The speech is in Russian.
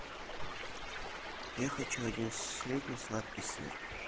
я хочу один средний сладкий сыр